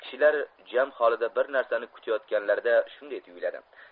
kishilar jam holida bir narsani kutayotganlarida shunday tuyuladi